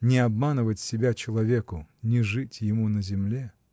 Не обманывать себя человеку -- не жить ему на земле.